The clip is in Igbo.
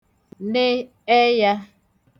ne ẹya